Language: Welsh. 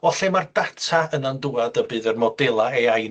o lle ma'r data yna'n dŵad y bydd yr modela' Ay I